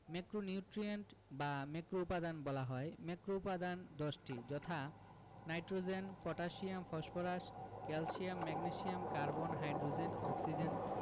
macronutrient বা ম্যাক্রোউপাদান বলা হয় ম্যাক্রোউপাদান 10টি যথা nitrogen potassium phosphorus calcium magnesium carbon hydrogen oxygen